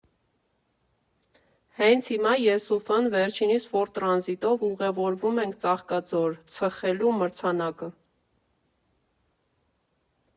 Հենց հիմա ես ու Ֆ֊ն, վերջինիս Ֆորդ Տրանզիտով, ուղևորվում ենք Ծաղկաձոր՝ «ցխելու» մրցանակը։